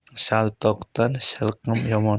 shaltoqdan shilqim yomon